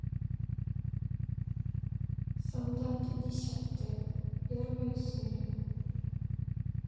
солдаты десятые первая серия